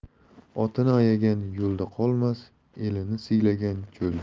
otini ayagan yo'lda qolmas elini siylagan cho'lda